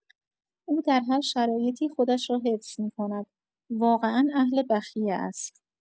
او در هر شرایطی خودش را حفظ می‌کند، واقعا اهل بخیه است.